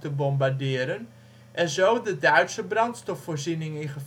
bombarderen en zo de Duitse brandstofvoorziening in